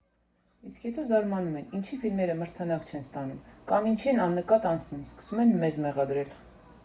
Իսկ հետո զարմանում են՝ ինչի ֆիլմերը մրցանակ չեն ստանում, կամ ինչի են աննկատ անցնում, սկսում են մեզ մեղադրել։